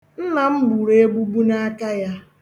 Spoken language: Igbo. Nna m gburu egbugbu na aka ya